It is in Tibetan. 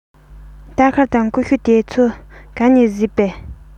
སྟར ཁ དང ཀུ ཤུ དེ ཚོ ག ནས གཟིགས པ